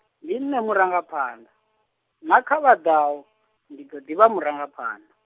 ndi nṋe murangaphanḓa, nakha vha ḓaho, ndi ḓo ḓi vha muranga phanḓa.